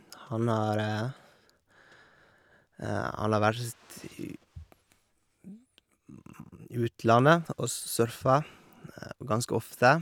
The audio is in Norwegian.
han har Han har vært i utlandet og surfa ganske ofte.